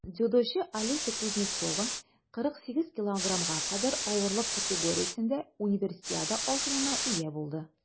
Дзюдочы Алеся Кузнецова 48 кг кадәр авырлык категориясендә Универсиада алтынына ия булды.